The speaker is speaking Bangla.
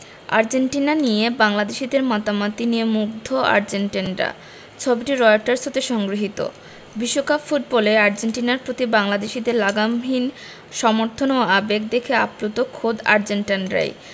আর্জেন্টিনা নিয়ে বাংলাদেশিদের মাতামাতি নিয়ে মুগ্ধ আর্জেন্টাইনরা ছবিটি রয়টার্স হতে সংগৃহীত বিশ্বকাপ ফুটবলে আর্জেন্টিনার প্রতি বাংলাদেশিদের লাগামহীন সমর্থন ও আবেগ দেখে আপ্লুত খোদ আর্জেন্টাইনরাই